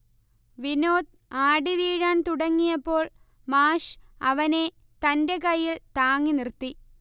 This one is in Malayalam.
വിനോദ് ആടി വീഴാൻ തുടങ്ങിയപ്പോൾ മാഷ് അവനെ തന്റെ കയ്യിൽ താങ്ങി നിർത്തി